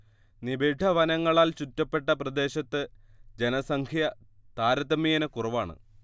നിബിഢ വനങ്ങളാൽ ചുറ്റപ്പെട്ട പ്രദേശത്ത് ജനസംഖ്യ താരതമ്യേന കുറവാണ്